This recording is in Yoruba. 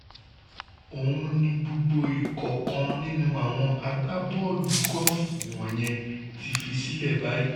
Ohun ni gbogbo ìkọ̀ọ̀kan nínú àwọn agbábọ́ọ̀lù gọ́ọ̀fù wọ̀nyẹn ti fi sílẹ̀ báyìí.